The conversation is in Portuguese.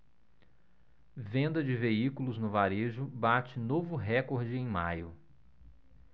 venda de veículos no varejo bate novo recorde em maio